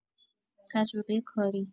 تجربه کاری